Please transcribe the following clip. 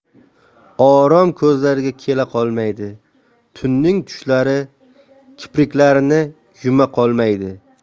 orom ko'zlariga kela qolmaydi tunning tushlari kipriklarini yuma qolmaydi